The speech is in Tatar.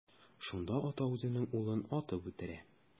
Шунда ата үзенең улын атып үтерә.